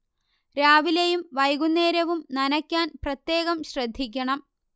രാവിലെയും വൈകുന്നേരവും നനക്കാൻ പ്രത്യേകം ശ്രദ്ധിക്കണം